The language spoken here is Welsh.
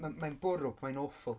Ma- mae'n bwrw ac mae'n awful.